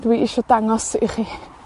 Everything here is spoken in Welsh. dwi isio dangos i chi.